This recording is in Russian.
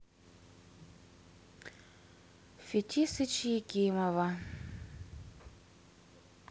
фетисыч екимова